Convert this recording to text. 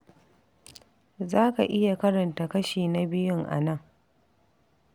Za ka iya karanta kashi na biyun a nan.